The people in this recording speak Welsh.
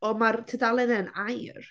Ond mae'r tudalennau'n aur.